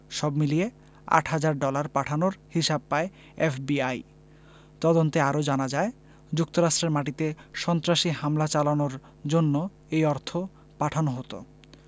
সব মিলিয়ে আট হাজার ডলার পাঠানোর হিসাব পায় এফবিআই তদন্তে আরও জানা যায় যুক্তরাষ্ট্রের মাটিতে সন্ত্রাসী হামলা চালানোর জন্য এই অর্থ পাঠানো হতো